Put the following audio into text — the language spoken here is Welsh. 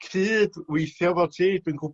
cyd weithio efo ti dwi'n